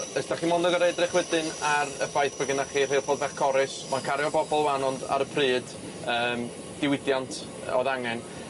Y- os 'dach chi mond yn gor'o' edrych wedyn ar y ffaith bo' gennach chi rheilffordd fach Corris, ma'n cario bobl 'wan ond ar y pryd yym diwydiant o'dd angen